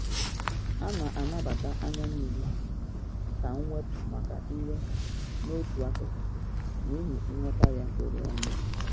A na anabata anya mmiri ka mwepu maka iwe n'otu akụkụ n’ihi nghọta ya doro anya.